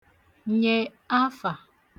nye afà